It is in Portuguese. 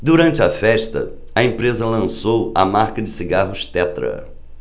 durante a festa a empresa lançou a marca de cigarros tetra